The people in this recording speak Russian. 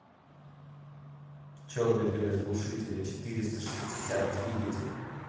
черный дым из глушителя четыреста шестьдесят двигатель